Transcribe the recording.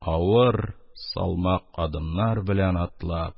Авыр, салмак адымнар белән атлап